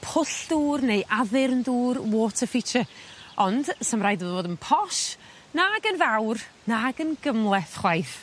pwll dŵr neu addyrn dŵr water feature ond sa'm raid i fo fod yn posh nag yn fawr nag yn gymleth chwaith.